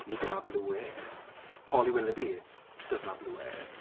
You gonna have blue hair. Holly Willoughby doesn't have blue hair.